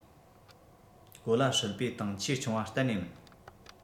གོ ལ ཧྲིལ པོའི སྟེང ཆེས ཆུང བ གཏན ནས མིན